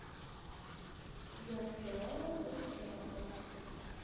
я пчела ты пчеловод